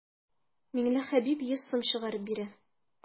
Миңлехәбиб йөз сум чыгарып бирә.